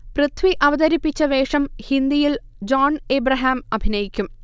പൃഥ്വി അവതരിപ്പിച്ച വേഷം ഹിന്ദിയിൽ ജോൺ ഏബ്രഹാം അഭിനയിക്കും